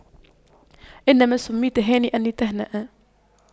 إنما سُمِّيتَ هانئاً لتهنأ